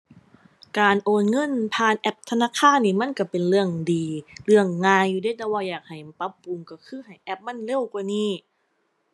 การโอนเงินผ่านแอปธนาคารนี่มันก็เป็นเรื่องดี เรื่องง่ายอยู่เดะ แต่ว่าอยากให้ปรับปรุงก็คือให้แอปมันเร็วกว่านี้